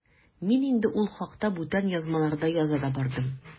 Мин инде ул хакта бүтән язмаларда яза да бардым.